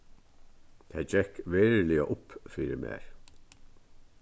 tað gekk veruliga upp fyri mær